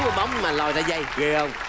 lòi ra dây ghê hông